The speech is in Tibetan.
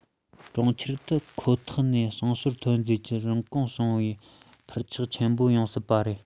གྲོང ཁྱེར ཐུབ ཁོ ཐག ནས ཞིང ཞོར ཐོན རྫས ཀྱི རིན གོང བྱུང བའི འཕར ཆག ཆེན པོ ཡོང སྲིད པ རེད